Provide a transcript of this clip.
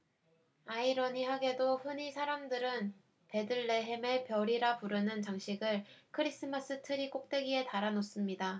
아이러니하게도 흔히 사람들은 베들레헴의 별이라 부르는 장식을 크리스마스트리 꼭대기에 달아 놓습니다